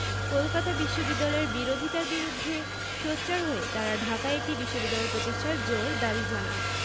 কলকাতা বিশ্ববিদ্যালয়ের বিরোধিতার বিরুদ্ধে সোচ্চার হয়ে তারা ঢাকায় একটি বিশ্ববিদ্যালয় প্রতিষ্ঠার জোর দাবি জানান